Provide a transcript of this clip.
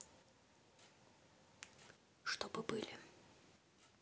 чтобы были